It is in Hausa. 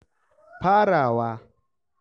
Farawa